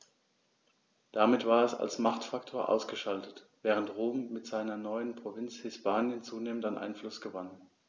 Damit war es als Machtfaktor ausgeschaltet, während Rom mit seiner neuen Provinz Hispanien zunehmend an Einfluss gewann.